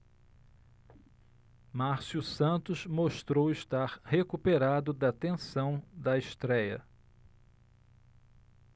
márcio santos mostrou estar recuperado da tensão da estréia